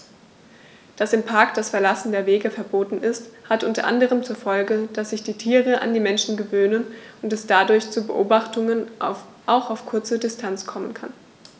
Dass im Park das Verlassen der Wege verboten ist, hat unter anderem zur Folge, dass sich die Tiere an die Menschen gewöhnen und es dadurch zu Beobachtungen auch auf kurze Distanz kommen kann.